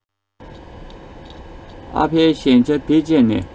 ཨ ཕའི གཞན ཆ བེད སྤྱད ནས